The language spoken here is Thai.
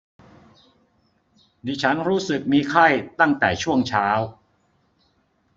ดิฉันรู้สึกมีไข้ตั้งแต่ช่วงเช้า